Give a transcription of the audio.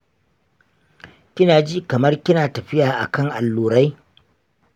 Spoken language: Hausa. kina ji kaman kina tafiya akan allurai?